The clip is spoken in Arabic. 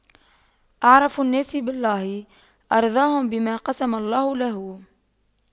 أعرف الناس بالله أرضاهم بما قسم الله له